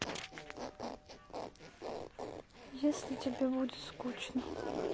если тебе будет скучно